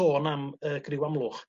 sôn am y griiw Amlwch